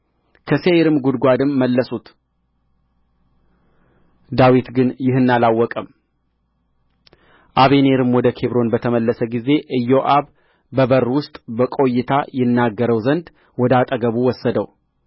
ከሴይርም ጕድጓድም መለሱት ዳዊት ግን ይህን አላወቀም አበኔርም ወደ ኬብሮን በተመለሰ ጊዜ ኢዮአብ በበር ውስጥ በቈይታ ይናገረው ዘንድ ወደ አጠገቡ ወሰደው